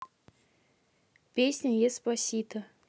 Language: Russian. песня еспосито